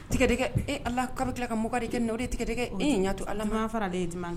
tikadɛgɛ, ee, allah k'a bi tila ka muga de kɛ nin na , o de ye tikadɛgɛ, ee, y'a to allah man o t duman faralen ye duman kan wa.